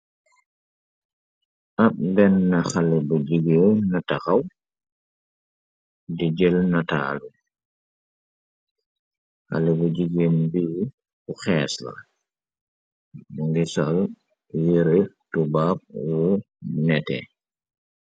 Ab benn xale bu jigee na taxaw di jël nataalu xale bu jigéen bii ku xees la ngi sal yire tubaab wu netee.